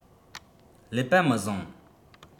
ཀླད པ མི བཟང